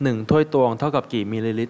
หนึ่งถ้วยตวงเท่ากับกี่มิลลิลิตร